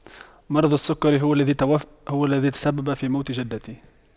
مرض السكري هو الذي هو الذي تسبب في موت جدتي